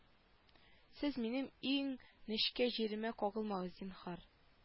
Сез минем иң нечкә җиремә кагылмагыз зинһар